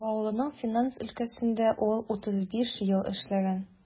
Баулының финанс өлкәсендә ул 35 ел эшләгән.